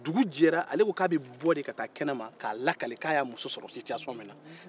dugu jɛlen ale ko k'a bɛ bɔ ka taa fɔ kɛnɛ ma a y'a muso sɔrɔ cogoya min na